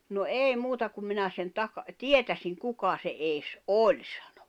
no ei muuta kun minä sen - tietäisin kuka se edes oli sanoi